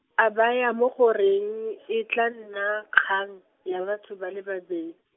a baya mo go reng , e tla nna kgang, ya batho ba le babe-.